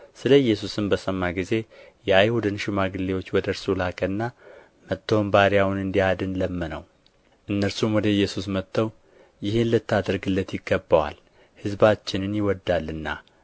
ስለ ኢየሱስም በሰማ ጊዜ የአይሁድን ሽማግሎች ወደ እርሱ ላከና መጥቶ ባሪያውን እንዲያድን ለመነው እነርሱም ወደ ኢየሱስ መጥተው ይህን ልታደርግለት ይገባዋል ሕዝባችንን ይወዳልና